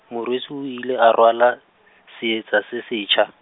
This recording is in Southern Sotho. Morwesi o ile a rwala, seeta se setjha.